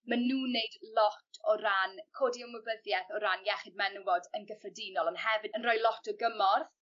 ma' nw'n neud lot o ran codi ymwybyddiaeth o ran iechyd menywod yn gyffredinol on' hefyd yn roi lot o gymorth